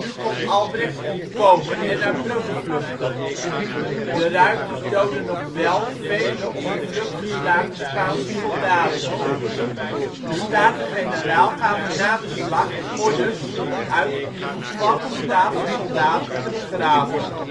kon Albrecht ontkomen en naar Brugge vluchten. De ruiters doodden nog wel vele op de vlucht geslagen Spaanse soldaten. De Staten-Generaal gaven na de slag orders uit om de gevallen Staatse soldaten te begraven